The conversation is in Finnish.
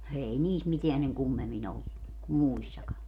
ei niissä mitään sen kummemmin ollut kuin muissakaan